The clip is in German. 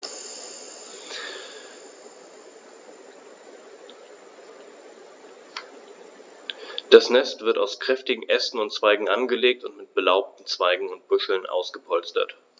Das Nest wird aus kräftigen Ästen und Zweigen angelegt und mit belaubten Zweigen und Büscheln ausgepolstert.